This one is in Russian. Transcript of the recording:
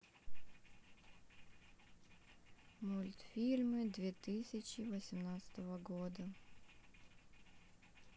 мультфильмы две тысячи восемнадцатого года